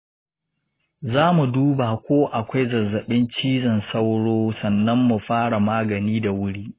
zamu duba ko akwai zazzabin cizon sauro sannan mu fara magani da wuri.